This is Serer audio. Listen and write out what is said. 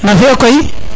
nam fio koy